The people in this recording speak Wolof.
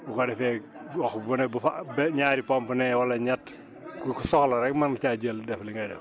bu ko defee gox bu ne bu fa ñaari pompes newee wala ñett ku soxla rek mën caa jël def li ngay def